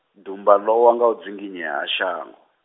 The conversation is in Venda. dumba lowa nga u dzinginyea ha shango.